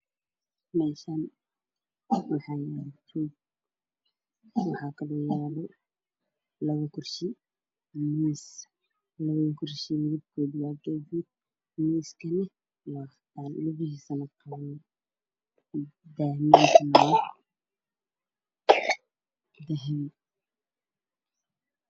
Meshanwaxa yaalo roogwaxakalyalo Labokursi iyo miis Labdakursimidibkodawagaduud miiskanawa cadan Luguhisa na qaxwidahmankawa dah